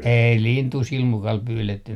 ei lintua silmukalla pyydetty